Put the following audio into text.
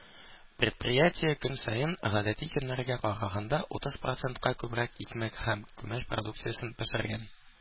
Предприятие көн саен, гадәти көннәргә караганда, утыз процентка күбрәк икмәк һәм күмәч продукциясен пешергән.